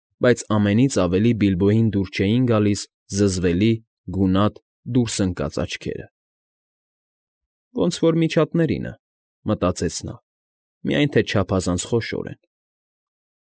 Բայց ամենից ավելի Բիլբոյին դուր չէին գալիս զզվելի, գունատ, դուրս ընկած աչքերը։ «Ոնց որ միջատներինը,֊ մտածեց նա,֊ միայն թե չափազանց խոշոր են»։